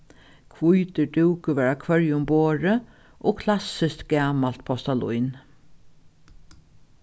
hvítur dúkur var á hvørjum borði og klassiskt gamalt postalín